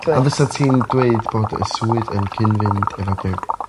A fysa ti'n dweud bod y swydd yn cyn fynd efo dy